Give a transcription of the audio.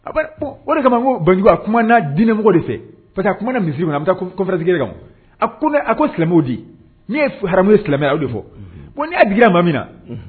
O kama ko bajugu diinɛmɔgɔ de fɛ parce que aumana misi bɛ taatigɛ kan a ko a ko silamɛw di ni yebu silamɛya aw de fɔ ko n d ma min na